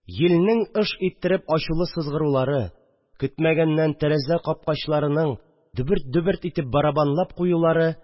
Йилнең ыж иттереп ачулы сызгырулары, көтмәгәннән тәрәзә капкачларының дөберт-дөберт итеп барабанлап куюлары